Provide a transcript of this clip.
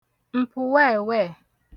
ǹpùwẹẹ̀wẹ